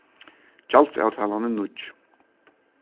gjaldsavtalan er nýggj